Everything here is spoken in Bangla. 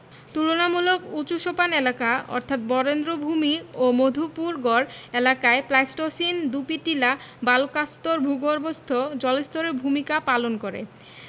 তুলনামূলক উঁচু সোপান এলাকা অর্থাৎ বরেন্দ্রভূমি ও মধুপুরগড় এলাকায় প্লাইসটোসিন ডুপি টিলা বালুকাস্তর ভূগর্ভস্থ জলস্তরের ভূমিকা পালন করে